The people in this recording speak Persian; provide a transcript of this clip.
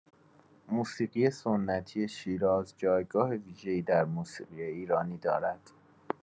موسیقی سنتی شیراز جایگاه ویژه‌ای در موسیقی ایرانی دارد.